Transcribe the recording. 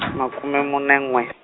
makume mune n'we.